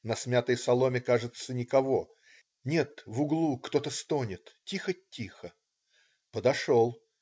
На смятой соломе, кажется, никого,- нет, в углу кто-то стонет, тихо, тихо. Подошел.